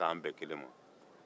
k'an bɛn kelen ma